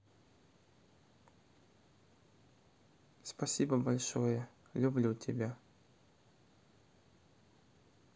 спасибо большое люблю тебя